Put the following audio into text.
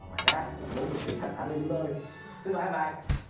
và ngoài ra là bốn bình sữa thần thánh của chúng tôi xin mời hai bạn